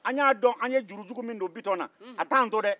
an y'a dɔn an ye jurujugu min don bitɔn na a t'an to dɛ